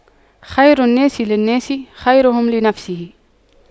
خير الناس للناس خيرهم لنفسه